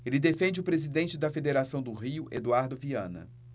ele defende o presidente da federação do rio eduardo viana